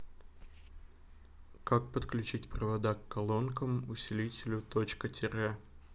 как подключить провода к колонкам усилителю точка тире